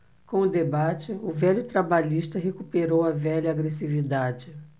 com o debate o velho trabalhista recuperou a velha agressividade